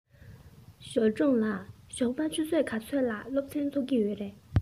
ཞའོ ཀྲུང ལགས ཞོགས པ ཆུ ཚོད ག ཚོད ལ སློབ ཚན ཚུགས ཀྱི ཡོད རེད